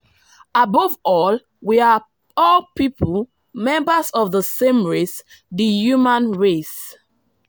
Above all, we are people, members of the same race, the human race.